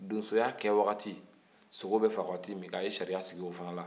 donsoya kɛ waati sogo bɛ faga waati min a ye sariya sigi o fɛnɛ na